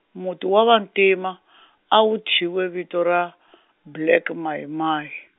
muti wa vantima , a wu tyhiwe vito ra , Black Mai Mai.